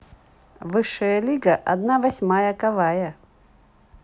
высшая лига одна восьмая ковая